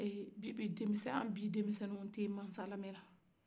an bin denmisɛnniw tɛ masa lamɛnna